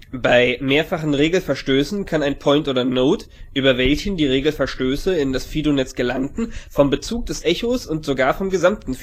Bei mehrfachen Regelverstößen kann ein Point oder Node, über welchen die Regelverstöße in das Fido-Netz gelangten, vom Bezug des Echos und sogar vom gesamten